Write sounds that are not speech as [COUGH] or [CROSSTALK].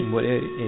mboɗeeri [NOISE]